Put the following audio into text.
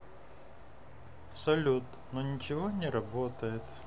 салют но ничего не работает